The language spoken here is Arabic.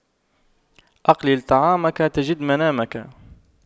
أقلل طعامك تجد منامك